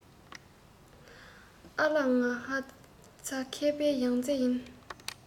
ཨ ལགས ངྷི ཚ མཁས པའི ཡང རྩེ ཡིན